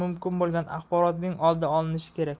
mumkin bo'lgan axborotning oldi olinishi kerak